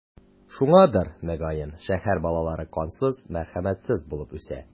Шуңадыр, мөгаен, шәһәр балалары кансыз, мәрхәмәтсез булып үсә.